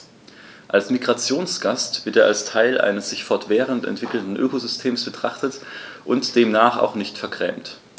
Als Migrationsgast wird er als Teil eines sich fortwährend entwickelnden Ökosystems betrachtet und demnach auch nicht vergrämt.